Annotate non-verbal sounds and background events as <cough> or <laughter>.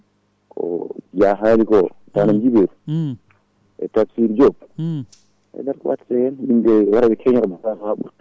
ko Dia haali ko tanam Djiby <smacks lips> e Tamsir Diop <smacks lips> haydara ko wattete hen min de *